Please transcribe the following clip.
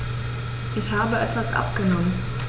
Ich habe etwas abgenommen.